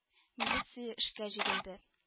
Милиция эшкә җигелде